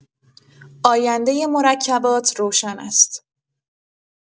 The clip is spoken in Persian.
آینده مرکبات روشن است؛